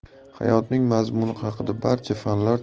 hayotning mazmuni haqida barcha fanlar